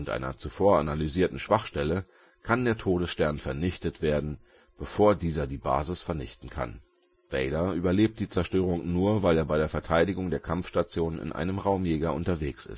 einer zuvor analysierten Schwachstelle kann der Todesstern vernichtet werden, bevor dieser die Basis vernichten kann. Vader überlebt die Zerstörung nur, weil er bei der Verteidigung der Kampfstation mit einem Raumjäger unterwegs ist